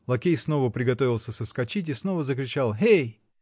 лакей снова приготовился соскочить и снова закричал: "Гей!".